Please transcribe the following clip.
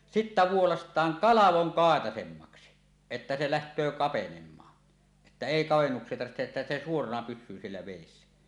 sitten vuolaistaan kalvoin kaitaisemmaksi että se lähtee kapenemaan että ei kavennuksia tarvitse että se suorana pysyy siellä vedessä